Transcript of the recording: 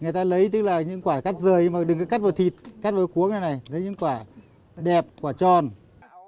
người ta lấy tức là những quả cắt rời và đừng cắt vào thịt cắt vào cuống này lấy những quả đẹp quả tròn